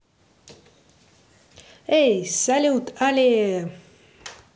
эй салют але